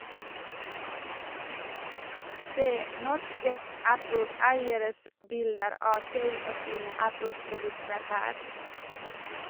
Se norske Apple-eieres bilder av seg og sine Apple-produkter her!